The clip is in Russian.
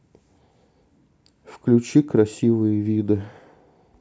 включи красивые виды